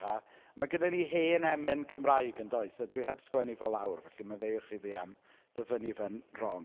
A ma' gyda ni hen emyn Cymraeg yn does? A dwi heb sgwennu fo lawr, felly maddeuwch i fi am ddyfynnu fe'n wrong.